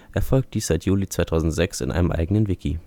erfolgt dies seit Juli 2006 in einem eigenen Wiki